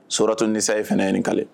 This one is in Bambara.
Soton nisa ye fana ye kale